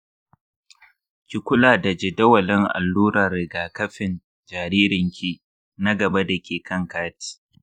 ki kula da jadawalin allurar rigakafin jaririnki na gaba dake kan katin.